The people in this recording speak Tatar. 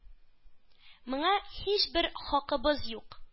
Моңа һичбер хакыбыз юк.